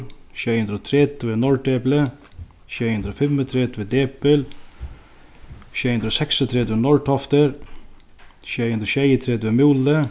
sjey hundrað og tretivu norðdepli sjey hundrað og fimmogtretivu depil sjey hundrað og seksogtretivu norðtoftir sjey hundrað og sjeyogtretivu múli